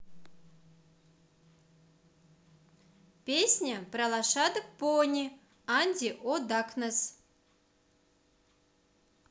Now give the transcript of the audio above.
песня про лошадок пони andy o darkness